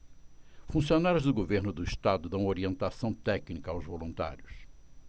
funcionários do governo do estado dão orientação técnica aos voluntários